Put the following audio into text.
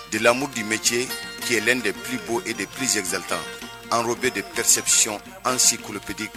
De lamu dimɛ cɛ kɛlɛlɛn de pbo e de psizezali tan anro bɛ de ppsisɔn an si kulupdi